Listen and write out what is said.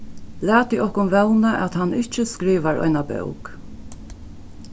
latið okkum vóna at hann ikki skrivar eina bók